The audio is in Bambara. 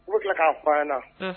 O tila k'a fɔ an ɲɛna